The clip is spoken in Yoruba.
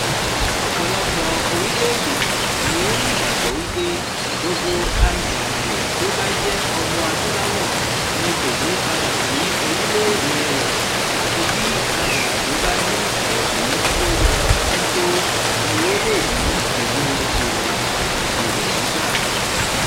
Ọ̀pọ̀lọpọ̀ orílẹ̀-èdè ni ó nígbàgbọ́ wípé gbogbo arìnrìnàjò tí ó bá jẹ́ Ọmọ-adúláwọ̀ ni kò ní padà sí orílẹ̀-èdèe rẹ̀, àfi bí arìnrìnàjó bá ní ẹ̀rí tí ó yanrantí tó ni ó lè rí ìwé ìrìnnà ìwọ̀lú gbà.